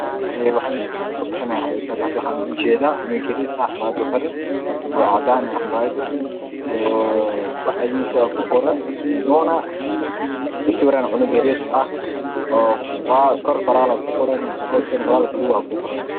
Waxaa ujeedaa cunig yariis cafayad uxiran xafyada cadaan ah oo bacdiisa ku qoran nuuna waxaa ku sawiran cunig yariis kor quralaa ku giqran hoosna qoral pulugaa ku qoran